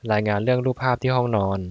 รายงานเรื่องรูปภาพที่ห้องนอน